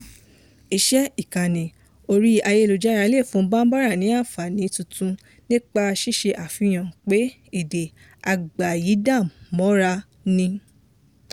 Àwọn ìkànnì orí ayélujára lè fún Bambara ní àǹfààní tuntun nípa ṣíṣe àfihàn pé èdè agbàyídàmọ́ra ni.